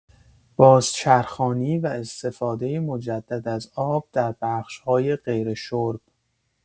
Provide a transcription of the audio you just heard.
بازچرخانی و استفاده مجدد از آب در بخش‌های غیرشرب